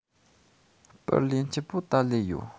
དཔར ལེན སྤྱད པོ ད ལོས ཡོད